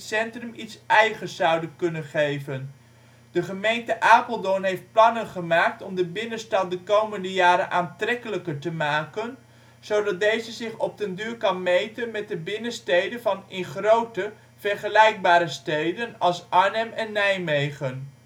eigens zouden kunnen geven. De gemeente Apeldoorn heeft plannen gemaakt om de binnenstad de komende jaren aantrekkelijker te maken, zodat deze zich op den duur kan meten met de binnensteden van in grootte vergelijkbare steden als Arnhem en Nijmegen